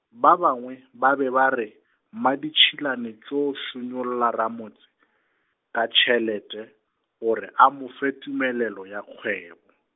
ba bangwe, ba be ba re, Mmaditšhilane tšo šunyolla ramotse , ka tšhelete, gore a mo fe tumelelo ya kgwebo.